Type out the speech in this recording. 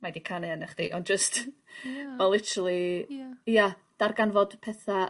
mae 'di canu arna chdi ond jyst... Ia. ...ma' literally... Ia. ...ia darganfod petha